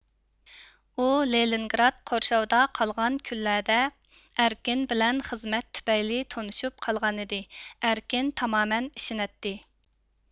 ئۇ لېنىنگراد قورشاۋدا قالغان كۈنلەردە ئەركىن بىلەن خىزمەت تۈپەيلى تونۇشۇپ قالغانىدى ئەركىن تامامەن ئىشىنەتتى